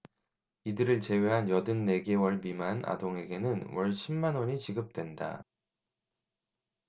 이들을 제외한 여든 네 개월 미만 아동에게는 월 십 만원이 지급된다